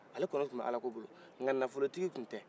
ale kɔni tun bɛ ala ko bolo nka nafolo tigi tun tɛ